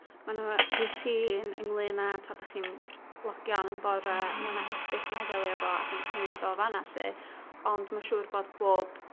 ma' 'na rwtîn ynglŷn â t'od 'dach chi'n logio on yn bore ma' 'na e-byst 'na i ddelio efo a 'dyn 'dych chi'n mynd o fanna 'lly ond ma' siŵr bod bob